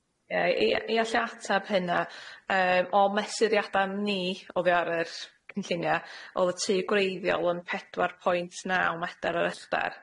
Yy ia, ia alla i ateb hynna. Yym, o mesuriada ni, oddi ar yr cynllunia', o'dd y tŷ gwreiddiol yn pedwar point naw medr o uchdar.